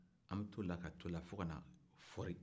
an bɛ to nin na ka to nin na fo ka na fort